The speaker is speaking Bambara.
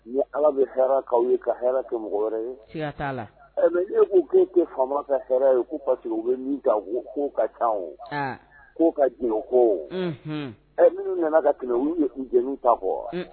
Ni ala bɛ hɛrɛ'aw ye ka hɛrɛɛ kɛ mɔgɔ wɛrɛ ye la k'u' kɛ faama ka hɛrɛɛ ye k'u paseke u bɛ min ka' ka ca k'o ka jɛ ko minnu nana ka tɛmɛ u ye u jɛ ta fɔ wa